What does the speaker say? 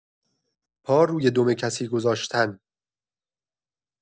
پا روی دم کسی گذاشتن